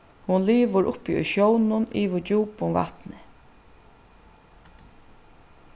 hon livir uppi í sjónum yvir djúpum vatni